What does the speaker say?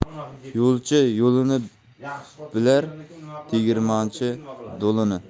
yo'lchi yo'lini bilar tegirmonchi do'lini